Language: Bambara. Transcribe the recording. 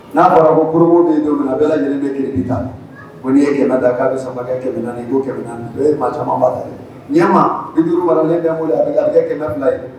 N'a fɔra ko ko bɛ don min a bɛ lajɛlen jeli ta ko n'i ye yɛlɛ da k'a bɛ saba naaniani i don naaniani bɛɛ ye maa caman ɲɛma i duuru ne a bɛ' kɛ kɛmɛ fila ye